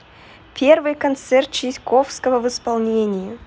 первый концерт чайковского в исполнении